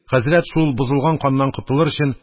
Хәзрәт, шул бозылган каннан котылыр өчен,